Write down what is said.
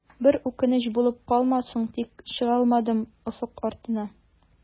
Бер үкенеч булып калмассың тик, чыгалмадым офык артына.